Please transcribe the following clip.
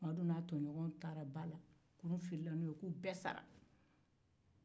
ko kurun firila ni madu n'a tɔɲɔgɔnw ye ba la k'u bɛɛ sara